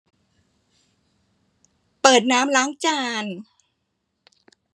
เปิดน้ำล้างจาน